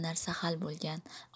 narsa hal bo'lgan